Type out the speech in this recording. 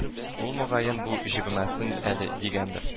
Ул мөгаен бу җебемәсен әле дигәндер